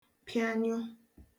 pịanyụ